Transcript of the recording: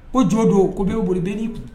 Ko jo don ko bɛɛ bɛ boli